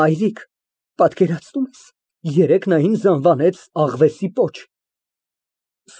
Մայրիկ, երեկ նա ինձ անվանեց աղվեսի պոչ։